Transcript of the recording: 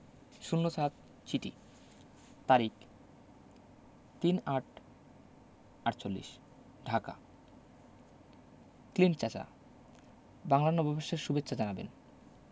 ০৭ চিটি ৩৮৪৮ ঢাকা ক্লিন্ট চাচা বাংলা নববর্ষের সুভেচ্ছা জানাবেন